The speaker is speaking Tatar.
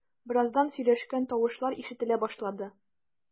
Бераздан сөйләшкән тавышлар ишетелә башлады.